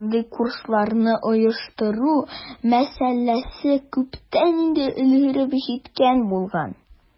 Мондый курсларны оештыру мәсьәләсе күптән инде өлгереп җиткән булган.